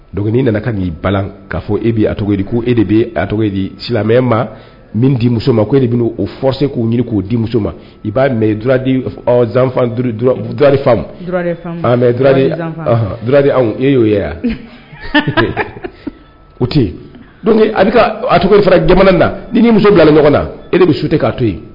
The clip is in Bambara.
Dɔnkili nana ka'i ba k'a fɔ e bɛ a cogo ko e de bɛ silamɛ ma min di muso ma e de bɛ oo fɔ se k'oiri k'o di muso ma i b'a mɛ zanfa faamu e y'o yan u tɛ fara jamana na nii muso bila ɲɔgɔn na e de bɛ su tɛ k'a to yen